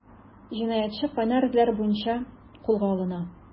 Җинаятьче “кайнар эзләр” буенча кулга алына.